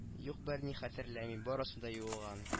Юк берни хәтерләми барысы да юылган